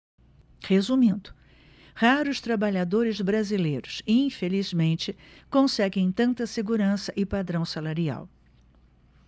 resumindo raros trabalhadores brasileiros infelizmente conseguem tanta segurança e padrão salarial